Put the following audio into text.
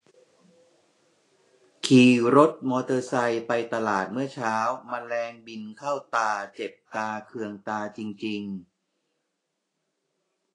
ขี่รถมอเตอร์ไซไปตลาดเมื่อเช้าแมลงบินเข้าตาเจ็บตาเคืองตาจริงจริง